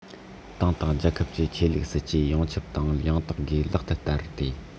ཏང དང རྒྱལ ཁབ ཀྱི ཆོས ལུགས སྲིད ཇུས ཡོངས ཁྱབ དང ཡང དག སྒོས ལག ཏུ བསྟར ཏེ